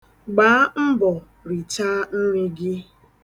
Gbaa mbọ richaa nri gị.